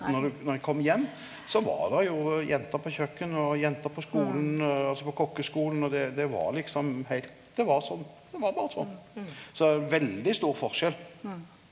når du når eg kom heim så var der jo jenter på kjøkkenet og jenter på skolen og altså på kokkeskolen, og det det var liksom heilt det var sånn det var berre sånn så veldig stor forskjell.